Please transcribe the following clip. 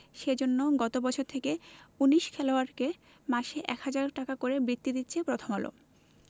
সে জন্য গত বছর থেকে ১৯ খেলোয়াড়কে মাসে ১ হাজার টাকা করে বৃত্তি দিচ্ছে প্রথম আলো